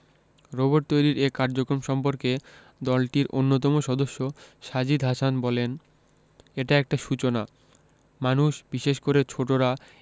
robot তৈরির এ কার্যক্রম সম্পর্কে দলটির অন্যতম সদস্য সাজিদ হাসান বললেন এটা একটা সূচনা মানুষ বিশেষ করে ছোটরা